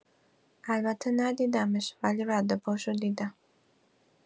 البته ندیدمش ولی رد پاشو دیدم!